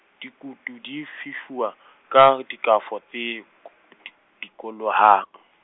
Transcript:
dikutu di fefuwa, ka dikhafo tse k- d- dikolohang.